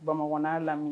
Bamananyaa laminɛ